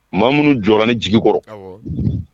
Maa munnu jɔra ne jigi kɔrɔ awɔ